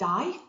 dau